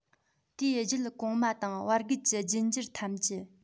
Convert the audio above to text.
དེའི རྒྱུད གོང མ དང བར བརྒལ གྱི རྒྱུད འགྱུར ཐམས ཅད